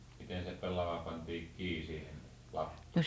miten se pellava pantiin kiinni siihen lapaan